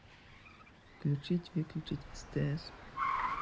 включить включить стс